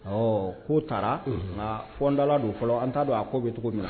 Ɔ k'u taara fɔ nda don fɔlɔ an t'a don a k'o bɛ cogo minɛ na